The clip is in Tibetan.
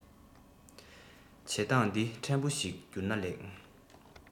བྱེད བཏང འདི ཕྲན བུ ཞིག རྒྱུར ན ལེགས